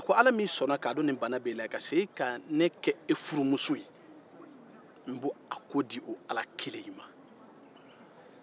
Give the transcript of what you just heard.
a ko ala min y'a dɔn ko bana in bɛ e la ka tila ka ne kɛ e furumuso n b'a ko di o ala kelen ma